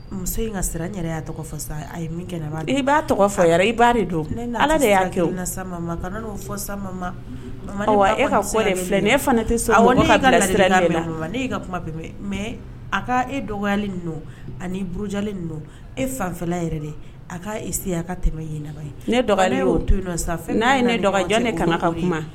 Muso ka siran' tɔgɔ ye e' i dɔn y'a kɛ sao fɔ sama e tɛ ka kuma mɛ a e dɔgɔ anijalen e fanfɛla yɛrɛ de a e ka tɛmɛ ne dɔgɔ y o to yen nɔ sanfɛ n'a ye ne dɔgɔjɔ kana ka kuma